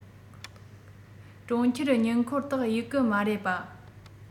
གྲོང ཁྱེར ཉེ འཁོར དག གཡུགས གི མ རེད པཱ